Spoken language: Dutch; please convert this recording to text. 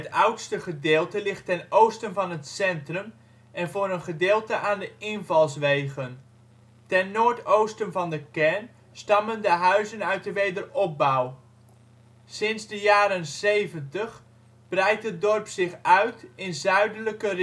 oudste gedeelte ligt ten oosten van het centrum en voor een gedeelte aan de invalswegen. Ten noordwesten van de kern stammen de huizen uit de wederopbouw. Sinds de jaren zeventig breidt het dorp zich in zuidelijke